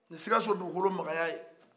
ni sikaso dugukolo makaya ye